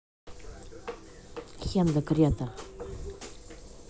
хендэ крета